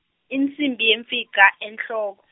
insimbi yemfica enhloko.